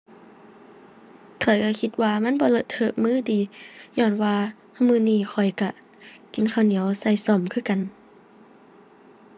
ข้อยก็คิดว่ามันบ่เลอะเทอะมือดี ญ้อนว่ามื้อนี้ข้อยก็กินข้าวเหนียวก็ส้อมคือกัน